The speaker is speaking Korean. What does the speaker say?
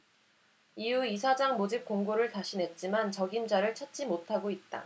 이후 이사장 모집 공고를 다시 냈지만 적임자를 찾지 못하고 있다